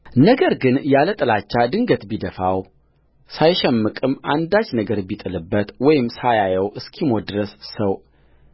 ነገር ግን ያለ ጥላቻ ድንገት ቢደፋው ሳይሸምቅም አንዳች ነገር ቢጥልበትወይም ሳያየው እስኪሞት ድረስ ሰው